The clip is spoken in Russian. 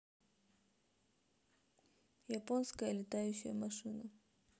японская летающая машина